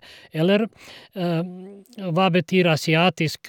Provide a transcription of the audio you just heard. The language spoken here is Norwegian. eller Og hva betyr asiatisk?